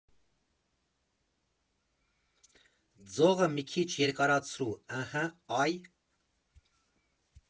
֊ Ձողը մի քիչ երկարացրու, ըհը, այ…